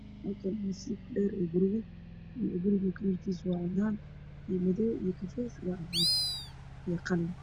Waa meel qol ah darbiyada waa caddaan qolka waxa uu leeyahay jaranjaro albaabka waa midow